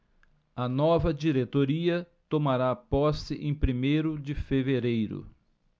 a nova diretoria tomará posse em primeiro de fevereiro